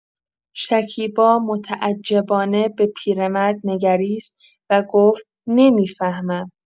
شکیبا متعجبانه به پیرمرد نگریست و گفت: «نمی‌فهمم!»